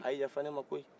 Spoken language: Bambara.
a ye yafa ne ma koyi